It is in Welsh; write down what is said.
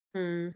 Mm.